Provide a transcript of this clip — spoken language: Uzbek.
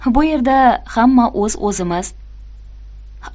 bu yerda hamma o'z o'zimiz